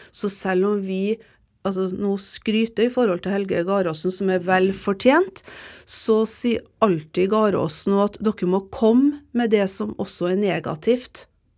så selv om vi altså nå skryter i forhold til Helge Garåsen som er vel fortjent så sier alltid Garåsen òg at dere må komme med det som også er negativt.